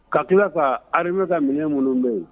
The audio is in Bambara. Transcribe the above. Ka tila ka armɛ ka minɛ minnu bɛ yen